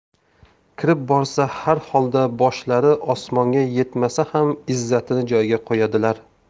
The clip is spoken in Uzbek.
kirib borsa harholda boshlari osmonga yetmasa ham izzatini joyiga qo'yadilar